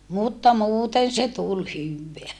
mutta muuten se tuli hyvää